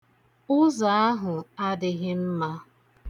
Ụzọ ahụ adịghị mma.